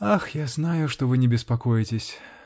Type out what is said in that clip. -- Ах, я знаю, что вы не беспокоитесь.